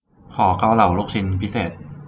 ขอเกาเหลาลูกชิ้นพิเศษ